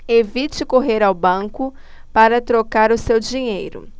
evite correr ao banco para trocar o seu dinheiro